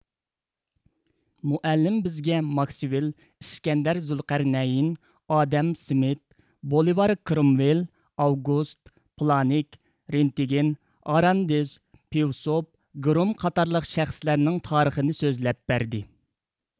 مۇ ئەللىم بىزگە ماكسۋېل ئىسكەندەر زۇلقەرنەين ئادام سمىت بولىۋار كرۇمۋېل ئاۋگۇست پلانك رېنتگېن ئاراندېز پېۋسوپ گرۇم قاتارلىق شەخىسلەرنىڭ تارىخىنى سۆزلەپ بەردى